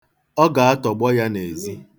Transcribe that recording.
Ọ ga-atọgbọ ya n'ezi.